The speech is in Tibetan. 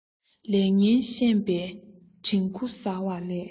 ལས ངན ཤན པའི དྲེག ཁུ བཟའ བ ལས